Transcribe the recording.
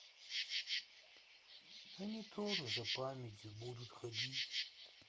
они тоже за памятью будут ходить